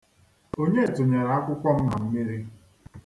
Onye tụnyere akwụkwọ m na mmiri?